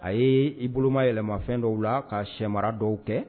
A ye i boloma yɛlɛmafɛn dɔw la ka sɛmara dɔw kɛ